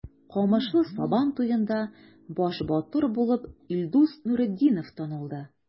Камышлы Сабан туенда баш батыр булып Илдус Нуретдинов танылды.